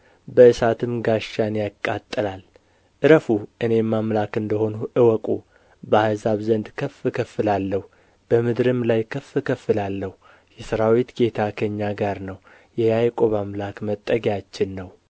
በእሳትም ጋሻን ያቃጥላል ዕረፉ እኔም አምላክ እንደ ሆንሁ እወቁ በአሕዛብ ዘንድ ከፍ ከፍ እላለሁ በምድርም ላይ ከፍ ከፍ እላለሁ የሠራዊት ጌታ ከእኛ ጋር ነው የያዕቆብ አምላክ መጠጊያችን ነው